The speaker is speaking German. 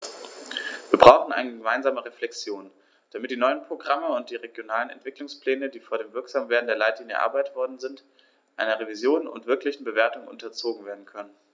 Wir brauchen eine gemeinsame Reflexion, damit die neuen Programme und die regionalen Entwicklungspläne, die vor dem Wirksamwerden der Leitlinien erarbeitet worden sind, einer Revision und wirklichen Bewertung unterzogen werden können.